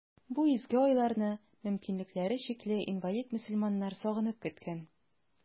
Бу изге айларны мөмкинлекләре чикле, инвалид мөселманнар сагынып көткән.